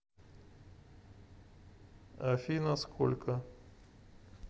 афина сколько